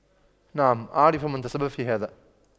نعم اعرف من تسبب في هذا